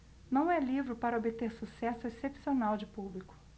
não é livro para obter sucesso excepcional de público